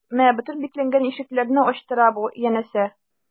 Мә, бөтен бикләнгән ишекләрне ачтыра бу, янәсе...